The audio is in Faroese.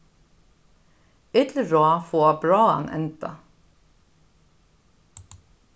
ill ráð fáa bráðan enda